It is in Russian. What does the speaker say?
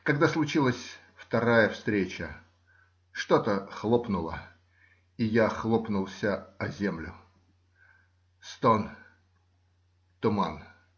Когда случилась вторая встреча - что-то хлопнуло, и я хлопнулся о землю. Стон, туман.